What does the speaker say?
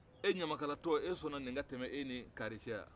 e ɲamakala tɔ e sɔnna nin ka tɛmɛ e ni kaari cɛ a